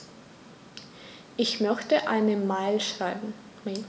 Ich möchte eine Mail schreiben.